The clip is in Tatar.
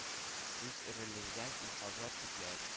Үз эрелелгән иһазлар күпләр